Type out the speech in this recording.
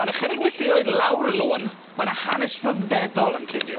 ond ychydig milltiroedd lawr y lôn, ma' 'ny hanes rhyfeddol yn cuddio.